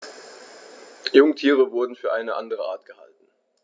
Jungtiere wurden für eine andere Art gehalten.